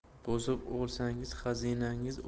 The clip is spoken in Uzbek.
bosib olsangiz xazinangiz